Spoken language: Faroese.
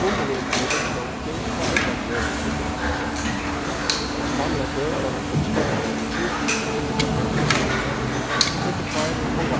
og bummurin er bert stongdur tá arbeitt verður í tunlinum tann gamla gøtan upp um skarð er trý túsund og fimm hundrað metrar til longdar og tekur tveir og ein hálvan